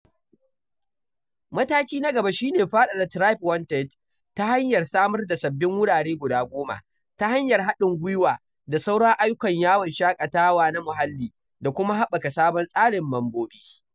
Mataki na gaba shine faɗaɗa TribeWanted ta hanyar samar da sababbin wurare guda 10, ta hanyar haɗin gwiwa da sauran ayyukan yawon shaƙatawa na muhalli da kuma haɓaka sabon tsarin mambobi.